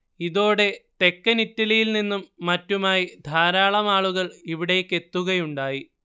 ഇതോടെ തെക്കൻ ഇറ്റലിയിൽനിന്നും മറ്റുമായി ധാരാളം ആളുകൾ ഇവിടേക്കെത്തുകയുണ്ടായി